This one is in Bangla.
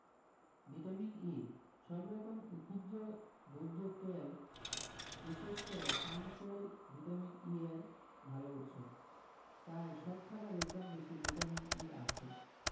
ভিটামিন E সব রকম উদ্ভিজ্জ ভোজ্য তেল বিশেষ করে পাম তেল ভিটামিন E এর ভালো উৎস প্রায় সব খাবারেই কমবেশি ভিটামিন E আছে